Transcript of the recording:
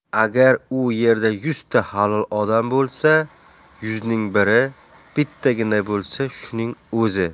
agar u yerda yuzta halol odam bo'lsa yuzning biri bittagina bo'lsa shuning o'zi